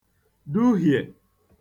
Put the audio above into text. duhiè